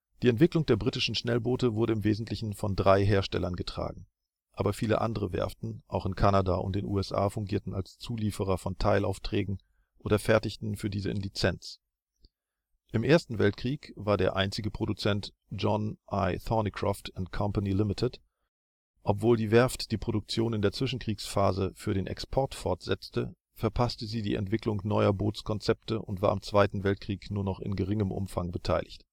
Die Entwicklung der britischen Schnellboote wurde im Wesentlichen von drei Herstellern getragen, aber viele andere Werften, auch in Kanada und den USA, fungierten als Zulieferer von Teilaufträgen oder fertigten für diese in Lizenz. Im ersten Weltkrieg war der einzige Produzent John I. Thornycroft & Company Limited. Obwohl die Werft die Produktion in der Zwischenkriegsphase für den Export fortsetzte, verpasste sie die Entwicklung neuer Bootskonzepte und war im Zweiten Weltkrieg nur noch in geringem Umfang beteiligt